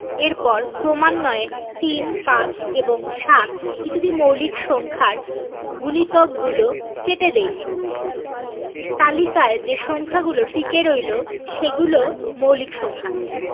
এরপর ক্রমান্বয়ে ৩ ৫ এবং ৭ ইত্যাদি মৌলিক সংখ্যার গুণিতকগুলো কেটে দিই তালিকায় যে সংখ্যাগুলো টিকে রইল সেগুলো মৌলিক সংখ্যা